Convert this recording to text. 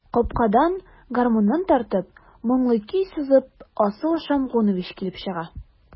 Капкадан, гармунын тартып, моңлы көй сызып, Асыл Шәмгунович килеп чыга.